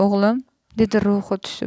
o'g'lim dedi ruhi tushib